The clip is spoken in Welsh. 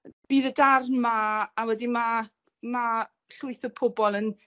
bydd y darn 'ma a wedyn ma' ma' llwyth o pobol yn